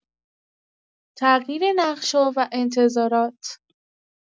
تغییر نقش‌ها و انتظارات